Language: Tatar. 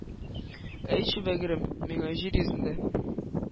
Әйтче, бәгърем, миңа, җир йөзендә